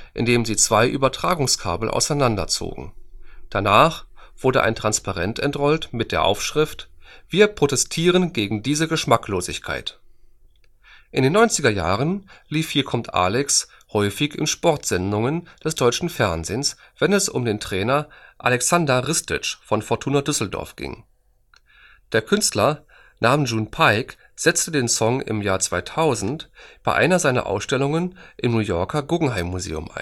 indem sie zwei Übertragungskabel auseinander zogen. Danach wurde ein Transparent entrollt mit der Aufschrift: „ Wir protestieren gegen diese Geschmacklosigkeit! “In den 90er Jahren lief Hier kommt Alex häufig in Sportsendungen des deutschen Fernsehens, wenn es um den Trainer Aleksandar Ristić von Fortuna Düsseldorf ging. Der Künstler Nam June Paik setzte den Song im Jahr 2000 bei einer seiner Ausstellungen im New Yorker Guggenheim Museum ein